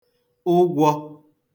ụgwọ̄